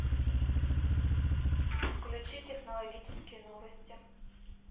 включи технологические новости